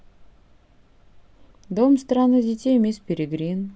дом странных детей мисс перегрин